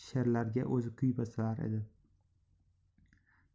she'rlarga o'zi kuy bastalar edi